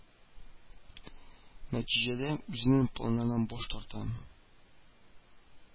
Нәтиҗәдә үзенең планнарыннан баш тарта